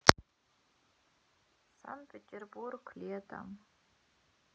санкт петербург летом